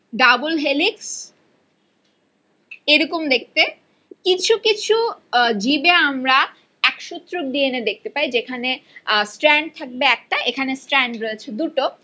double helix এ রকম দেখতে কিছু কিছু জীবে আমরা এক সূত্রক ডিএনএ দেখতে পাই যেখানে স্ট্রেন থাকবে একটা এখানে স্ট্রেন রয়েছে দুটো